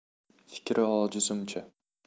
fikri ojizimcha